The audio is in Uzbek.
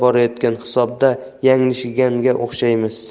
borayotgani hisobda yanglishganga o'xshaymiz